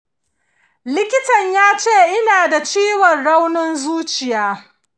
likitan yace ina da ciwon raunin zuciya.